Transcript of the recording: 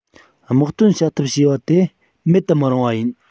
དམག དོན བྱ ཐབས ཞེས པ དེ མེད དུ མི རུང བ ཡིན